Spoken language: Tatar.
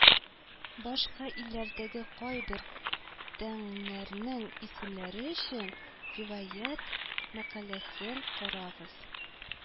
Башка илләрдәге кайбер тиңнәрнең исемләре өчен, Вилаять мәкаләсен карагыз